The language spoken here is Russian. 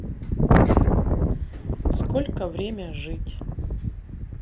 сколько время жить